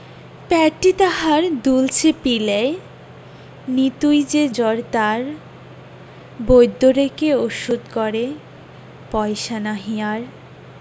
পেটটি তাহার দুলছে পিলেয় নিতুই যে জ্বর তার বৈদ্য ডেকে ওষুধ করে পয়সা নাহি আর